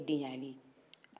a k'o masakɛ den y'ale ye